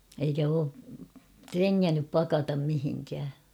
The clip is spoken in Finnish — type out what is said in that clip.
eikä ole trengännyt pakata mihinkään